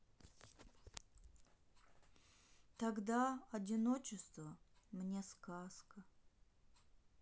тогда одиночество мне сказка